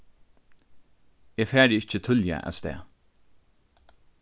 eg fari ikki tíðliga avstað